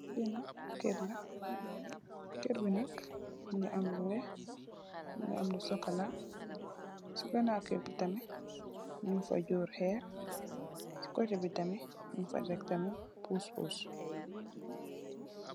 Fee nak kerr la kerr be nak muge am lu weex muge am lu sukola se ganaw kerr be tamin nugfa jorr herr se koteh be tamin nugfa tek tamin pus pus.